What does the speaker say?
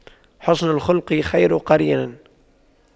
حُسْنُ الخلق خير قرين